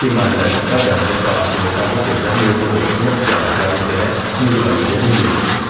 khi mà lệnh cấm vận vẫn còn thì người ta vẫn tìm cách mua cho được nhất là qua in tơ nét mua như vậy dễ hơn nhiều